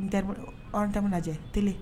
N tɛ bɔ O R T-M lajɛ téié